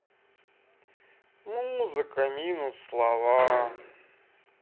музыка минус слова